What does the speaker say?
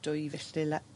...dwy filltir la-